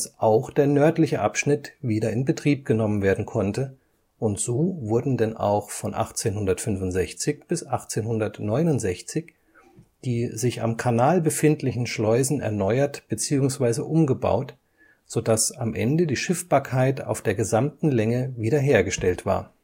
auch der nördliche Abschnitt wieder in Betrieb genommen werden konnte, und so wurden denn auch von 1865 bis 1869 die sich am Kanal befindlichen Schleusen erneuert beziehungsweise umgebaut, sodass am Ende die Schiffbarkeit auf der gesamten Länge wiederhergestellt war